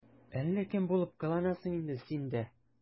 Әллә кем булып кыланасың инде син дә...